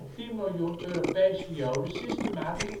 miljoen Europese Joden systematisch